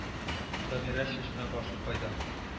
Дамира чишмә башы кайда